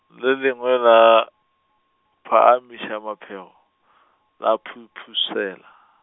le lengwe la, phaamiša maphego, la phuphusela.